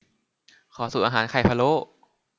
ขอสูตรอาหารไข่พะโล้